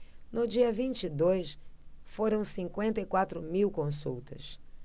no dia vinte e dois foram cinquenta e quatro mil consultas